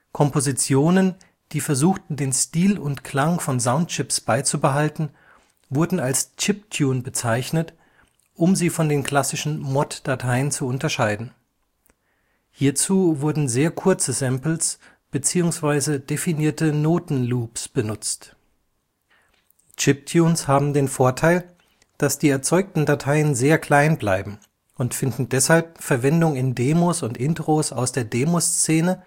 Kompositionen, die versuchten den Stil und Klang von Soundchips beizubehalten, wurden als Chiptune bezeichnet, um sie von den klassischen Mod-Dateien zu unterscheiden. Hierzu wurden sehr kurze Samples bzw. definierte Noten-Loops benutzt. Chiptunes haben den Vorteil, dass die erzeugten Dateien sehr klein bleiben und finden deshalb Verwendung in Demos und Intros aus der Demoszene